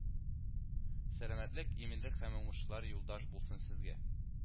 Сәламәтлек, иминлек һәм уңышлар юлдаш булсын сезгә